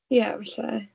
Ie, falle